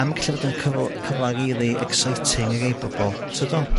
a ma'n gallu fod yn cyfla rili exciting i rei bobol t'od be dwi'n feddwl?